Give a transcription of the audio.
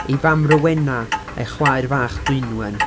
'ei fam, Rowena, a'i chwaer fach, Dwynwen.'